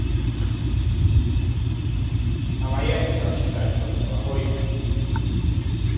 а моя сестра считает что ты плохой